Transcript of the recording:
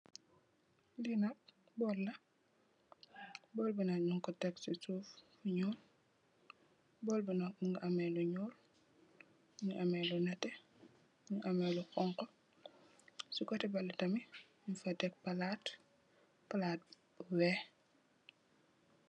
Li nak boo la, bool bi nak nung ko tekk ci suuf fu ñuul. Bool bi nak mungi ameh lu ñuul, mungi ameh lu nètè, mungi ameh lu honku. Ci kotè balè tamit nung fa tekk palaat, palaat bu weeh.